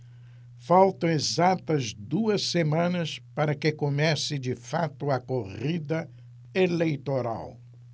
faltam exatas duas semanas para que comece de fato a corrida eleitoral